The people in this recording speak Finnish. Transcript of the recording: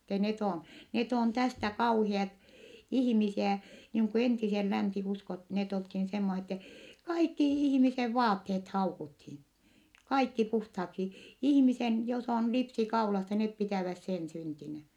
että ne on ne on tästä kauheat ihmisiä niin kuin entisen länsiuskot ne oltiin semmoisen että kaikki ihmisen vaatteet haukuttiin kaikki puhtaaksi ihmisen jos on lipsi kaulassa ne pitävät sen syntinä